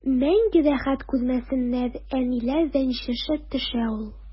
Мәңге рәхәт күрмәсеннәр, әниләр рәнҗеше төшә ул.